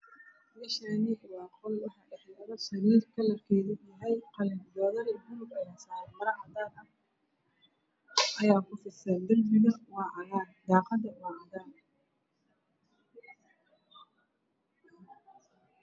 Meeshaan waa qol waxaa yaalo sariir kalarkeedu uu yahay qalin joodari buluug ah ayaa saaran iyo maro cadaan ah. Darbiga waa cagaar, daaqadu waa cadaan.